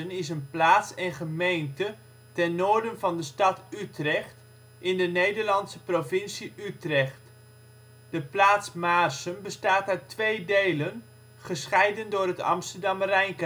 is een plaats en gemeente ten noorden van de stad Utrecht, in de Nederlandse provincie Utrecht. De plaats Maarssen bestaat uit twee delen, gescheiden door het Amsterdam-Rijnkanaal. Ten